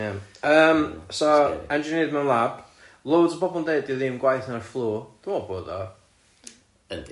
Ia yym so engineered mewn lab, loads o bobl yn deud 'di o ddim gwaeth na'r flu... Dwi'n meddwl bod o. Yndi.